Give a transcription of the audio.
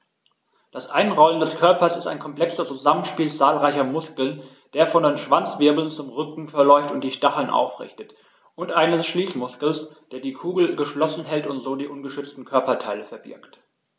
Das Einrollen des Körpers ist ein komplexes Zusammenspiel zahlreicher Muskeln, der von den Schwanzwirbeln zum Rücken verläuft und die Stacheln aufrichtet, und eines Schließmuskels, der die Kugel geschlossen hält und so die ungeschützten Körperteile verbirgt.